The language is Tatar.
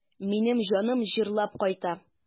Минем җаным җырлап кайта.